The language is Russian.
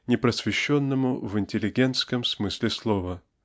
непросвещенному в интеллигентском смысле слова.